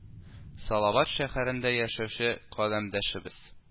Салават шәһәрендә яшәүче каләмдәшебез